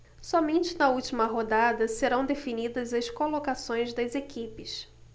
somente na última rodada serão definidas as colocações das equipes